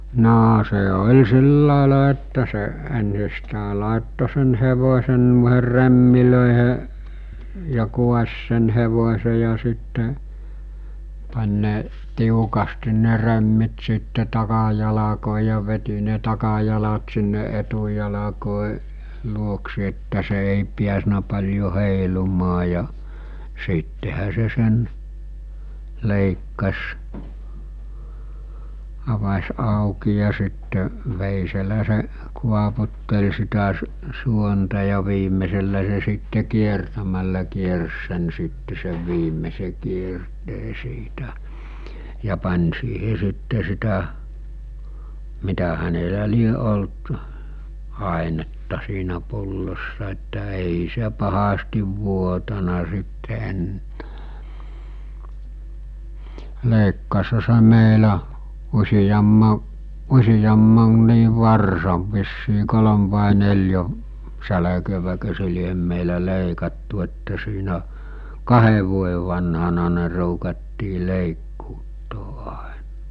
no se oli sillä lailla että se ensistään laittoi sen hevosen noihin remmeihin ja kaatoi sen hevosen ja sitten pani ne tiukasti ne remmit sitten takajalkoihin ja veti ne takajalat sinne etujalkojen luokse että se ei päässyt paljon heilumaan ja sittenhän se sen leikkasi avasi auki ja sitten veitsellä se kaaputteli sitä - suonta ja viimeisellä se sitten kiertämällä kiersi sen sitten sen viimeisen kierteen siitä ja pani siihen sitten sitä mitä hänellä lie ollut ainetta siinä pullossa että ei se pahasti vuotanut sitten enää leikkasihan se meillä useamman useamman varsan vissiin kolme vai neljä sälköäko se lie meillä leikattu että siinä kahden vuoden vanhana ne ruukattiin leikkuuttaa aina